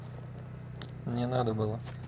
не надо было